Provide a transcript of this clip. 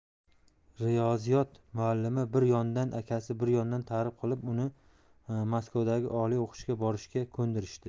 riyoziyot muallimi bir yondan akasi bir yondan targ'ib qilib uni maskovdagi oliy o'qishga borishga ko'ndirishdi